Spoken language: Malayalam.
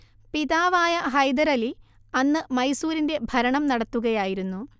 പിതാവായ ഹൈദരലി അന്ന് മൈസൂരിന്റെ ഭരണം നടത്തുകയായിരുന്നു